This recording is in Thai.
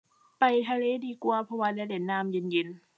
ไปทะเลดีกว่า เพราะว่าได้เล่นน้ำเย็นเย็น